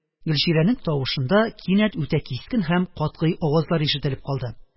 Гөлчирәнең тавышында кинәт үтә кискен һәм катгый авазлар ишетелеп калды,